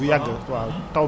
maanaam bu régulier wul